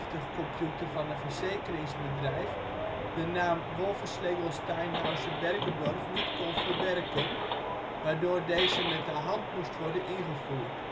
de IBM 7074-computer van een verzekeringsbedrijf de naam Wolfeschlegel­stein­hausen­berger­dorff niet kon verwerken, waardoor deze met de hand moest worden ingevoerd